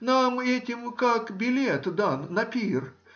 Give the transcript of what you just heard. нам этим как билет дан на пир